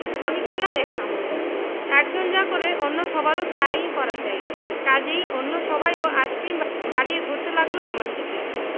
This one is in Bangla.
আমি খেলাম এক কামড় একজন যা করে অন্য সবারও তাই করা চাই কাজেই অন্য সবাইও আইসক্রিম বাড়িয়ে ধরতে লাগিল আমার দিকে